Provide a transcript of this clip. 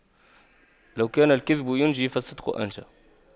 لو كان الكذب ينجي فالصدق أنجى